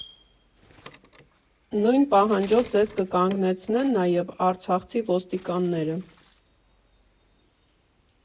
Նույն պահանջով ձեզ կկանգնեցնեն նաև արցախցի ոստիկանները։